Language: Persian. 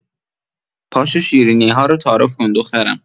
پاشو شیرینی‌ها رو تعارف کن دخترم.